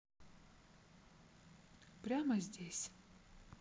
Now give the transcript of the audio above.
прямо здесь